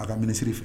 A ka minisiriri fɛ